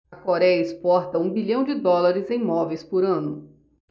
a coréia exporta um bilhão de dólares em móveis por ano